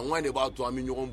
K'ale b'a to an bɛ ɲɔgɔn